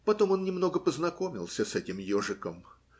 Потом он немного познакомился с этим ежиком.